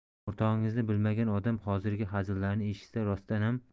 o'rtog'ingizni bilmagan odam hozirgi hazillarini eshitsa rostdanam